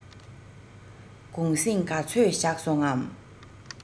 གུང གསེང ག ཚོད བཞག སོང ངམ